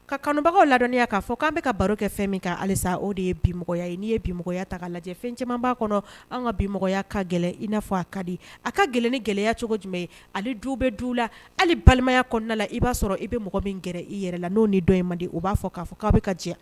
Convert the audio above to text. Ka kanubaga ladɔniya k'a fɔ ko an bɛka ka baro kɛ fɛn min kɛ halisa o de ye binmɔgɔya ye n'i ye binmɔgɔya ta lajɛ fɛn caman' kɔnɔ an ka bin mɔgɔya ka gɛlɛn i n'a fɔ a ka di a ka gɛlɛn ni gɛlɛyaya cogo jumɛn ye ale du bɛ du la hali balimaya kɔnɔna la i b'a sɔrɔ i bɛ min kɛra i yɛrɛ la n'o ni dɔn ye mande di o b'a fɔ'a fɔ ko' bɛ ka jɛ